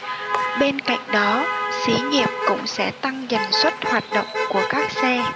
bên cạnh đó xí nghiệp cũng sẽ tăng tần suất hoạt động của các xe